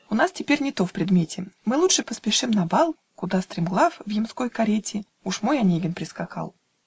У нас теперь не то в предмете: Мы лучше поспешим на бал, Куда стремглав в ямской карете Уж мой Онегин поскакал.